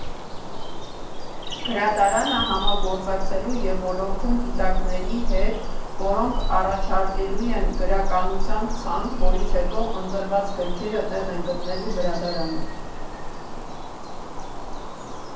Գրադարանը համագործակցելու է ոլորտում գիտակների հետ, որոնք առաջարկելու են գրականության ցանկ, որից հետո ընտրված գրքերը տեղ են գտնելու գրադարանում։